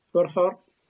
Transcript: o'r ffor?